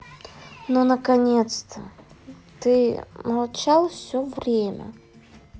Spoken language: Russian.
ну наконец то ты молчал все время